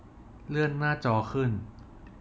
เลื่อนหน้าจอขึ้น